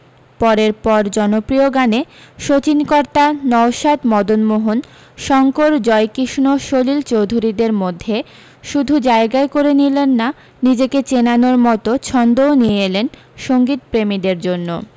পরের পর জনপ্রিয় গানে শচীনকর্তা নউশাদ মদনমোহন শঙ্কর জয়কিষ্ণ সলিল চৌধুরীদের মধ্যে শুধু জায়গাই করে নিলেন না নিজেকে চেনানোর মতো ছন্দও নিয়ে এলেন সঙ্গীত প্রেমীদের জন্য